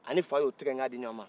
a ni fa y'o tigɛnkan di ɲɔɔn ma